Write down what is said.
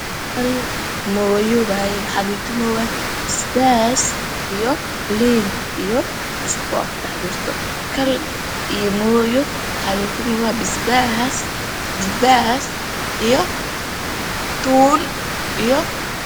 Halkan waxaa yalo moyo iyo kal moyah waxaa kujiro basbes iyo liin iyo cusbo